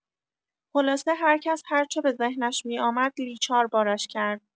خلاصه هرکس هرچه به ذهنش می‌آمد لیچار بارش کرد.